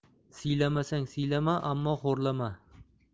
siylamasang siylama ammo xo'rlama